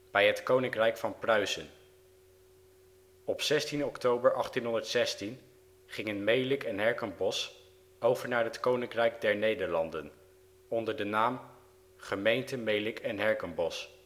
bij het koninkrijk van Pruisen. Op 16 oktober 1816 gingen Melick en Herkenbosch over naar het Koninkrijk der Nederlanden, onder de naam Gemeente Melick en Herkenbosch